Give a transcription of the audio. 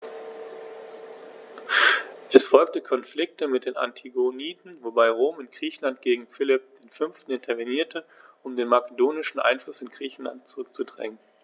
Es folgten Konflikte mit den Antigoniden, wobei Rom in Griechenland gegen Philipp V. intervenierte, um den makedonischen Einfluss in Griechenland zurückzudrängen.